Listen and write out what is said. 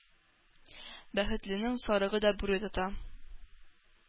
Бәхетленең сарыгы да бүре тота,